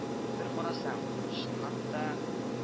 — бер карасаң, чынлап та